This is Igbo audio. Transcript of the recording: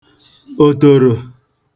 òtòrò